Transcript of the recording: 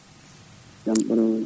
jaam hiire ma